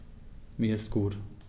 Mir ist gut.